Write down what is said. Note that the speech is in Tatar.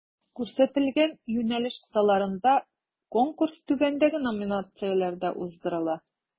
Күрсәтелгән юнәлеш кысаларында Конкурс түбәндәге номинацияләрдә уздырыла: